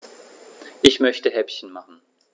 Ich möchte Häppchen machen.